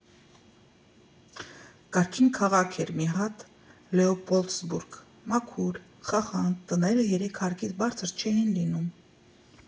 Կարգին քաղաք էր մի հատ՝ Լեոպոլդսբուրգ, մաքուր, խախանդ, տները երեք հարկից բարձր չէին լինում։